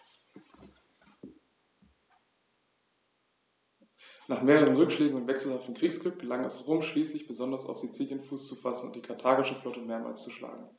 Nach mehreren Rückschlägen und wechselhaftem Kriegsglück gelang es Rom schließlich, besonders auf Sizilien Fuß zu fassen und die karthagische Flotte mehrmals zu schlagen.